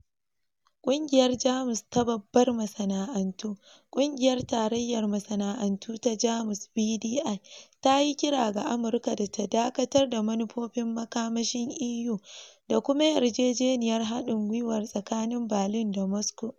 Ƙungiyar Jamus ta babbar masana'antu, kungiyar tarayyar masana'antu ta Jamus (BDI) ta yi kira ga Amurka da ta dakatar da manufofin makamashin EU da kuma yarjejeniyar hadin gwiwar tsakanin Berlin da Moscow.